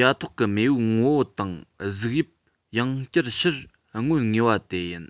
ཡ ཐོག གི མེས པོའི ངོ བོ དང གཟུགས དབྱིབས ཡང བསྐྱར ཕྱིར མངོན ངེས པ དེ ཡིན